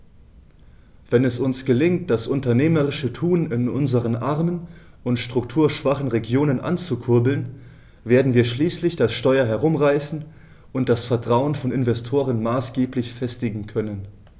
Wenn es uns gelingt, das unternehmerische Tun in unseren armen und strukturschwachen Regionen anzukurbeln, werden wir schließlich das Steuer herumreißen und das Vertrauen von Investoren maßgeblich festigen können.